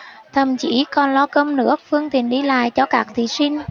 thậm chí còn lo cơm nước phương tiện đi lại cho các thí sinh